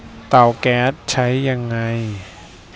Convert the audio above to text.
เตาแก๊สใช้ยังไง